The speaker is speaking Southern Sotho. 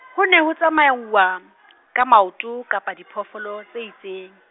ho ne ho tsamaiwa, ka maoto, kapa diphoofolo, tse itseng.